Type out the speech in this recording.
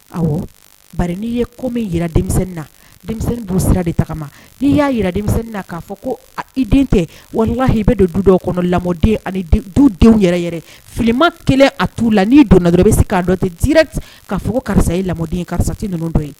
Aw ba n'i ye ko bɛ jira denmisɛnnin na denmisɛnnin b sira de taga n'i y'a jira na'a fɔ ko i den tɛ walimahi i bɛ don du dɔw kɔnɔ lamɔden ani du denw yɛrɛ yɛrɛ filima kelen a t'u la n'i donna dɔrɔn bɛ se k'a dɔn tɛ di ten k'a fɔ ko karisa ye lamɔden ye karisati ninnutɔn ye